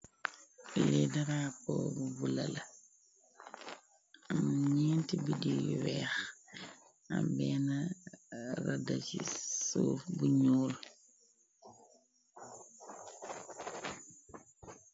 Li darap by blauh la am ñyeenti bi diw you weex am benn rada ci suuf bu nyul.